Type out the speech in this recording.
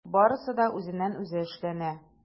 Барысы да үзеннән-үзе эшләнә.